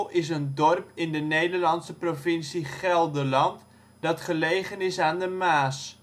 is een dorp in de Nederlandse provincie Gelderland, dat gelegen is aan de Maas